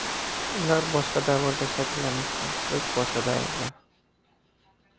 ular boshqa davrda shakllanishdi biz boshqa davrda